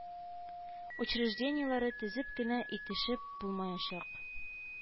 Учреждениеләре төзеп кенә итешеп булмаячак